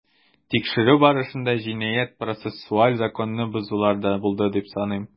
Тикшерү барышында җинаять-процессуаль законны бозулар да булды дип саныйм.